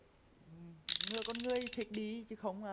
người con người thích đi chứ không